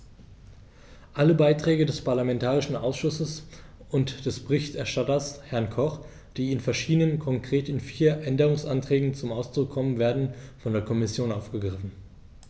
Alle Beiträge des parlamentarischen Ausschusses und des Berichterstatters, Herrn Koch, die in verschiedenen, konkret in vier, Änderungsanträgen zum Ausdruck kommen, werden von der Kommission aufgegriffen.